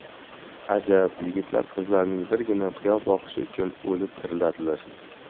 ajab yigitlar qizlarning birgina qiyo boqishi uchun o'lib tiriladilar